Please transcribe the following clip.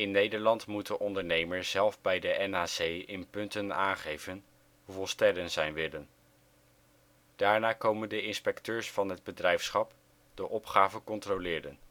Nederland moet de ondernemer zelf bij de NHC in punten aangeven hoeveel sterren zij willen. Daarna komen de inspecteurs van het bedrijfschap de opgave controleren